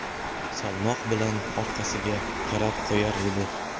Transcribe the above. salmoq bilan orqasiga qarab qo'yar edi